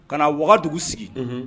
Ka na wagadugu sigi